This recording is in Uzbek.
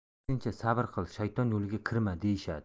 aksincha sabr qil shayton yo'liga kirma deyishadi